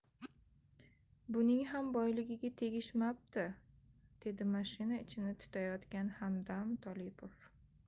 buning ham boyligiga tegishmabdi dedi mashina ichini titayotgan hamdam tolipov